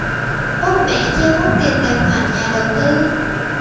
bóc mẽ chiêu móc tiền tài khoản nhà đầu tư